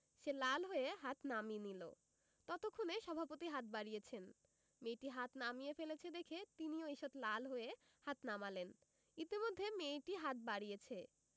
সে লাল হয়ে হাত নামিয়ে নিল ততক্ষনে সভাপতি হাত বাড়িয়েছেন মেয়েটি হাত নামিয়ে ফেলেছে দেখে তিনিও ঈষৎ লাল হয়ে হাত নামালেন ইতিমধ্যে মেয়েটি হাত বাড়িয়েছে